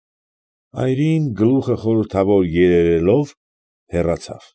Այրին, գլուխը խորհրդավոր երերելով, հեռացավ։